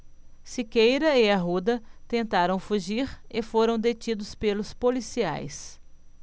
siqueira e arruda tentaram fugir e foram detidos pelos policiais